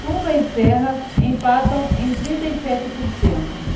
tuma e serra empatam em trinta e sete por cento